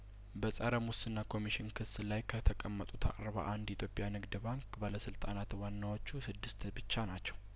በጸረ ሙስና ኮሚሽን ክስ ላይ ከተቀመጡት አርባ አንድ ኢትዮጵያ ንግድ ባንክ ባለስልጣናት ዋናዎቹ ስድስት ብቻ ናቸው